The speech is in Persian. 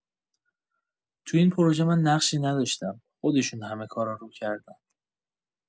تو این پروژه من نقشی نداشتم، خودشون همه کارا رو کردن.